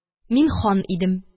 Мин хан идем